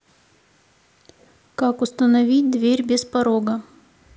как установить дверь без порога